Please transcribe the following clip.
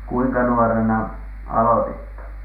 kuinka nuorena aloititte